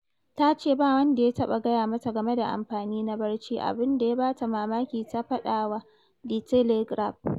Ta ce ba wanda ya taɓa gaya mata game da amfani na barci - abin da ya ba ta mamaki,’ ta faɗa wa The Telegraph.